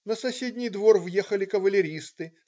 На соседний двор въехали кавалеристы, .